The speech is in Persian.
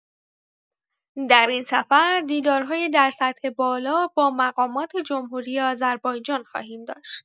در این سفر دیدارهای در سطح بالا با مقامات جمهوری آذربایجان خواهیم داشت.